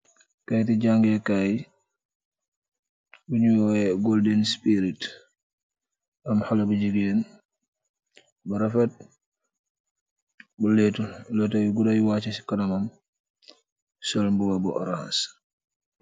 kay te jàngee kaay buñu woowe golden sperit am xala bu jigeen ba rafet bu leetu lotay guda wàcc ci kanamam sul mbuba bu orance.